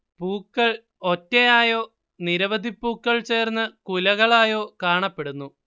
പൂക്കൾ ഒറ്റയായോ നിരവധി പൂക്കൾ ചേർന്ന് കുലകളായോ കാണപ്പെടുന്നു